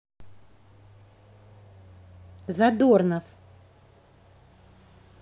задорнов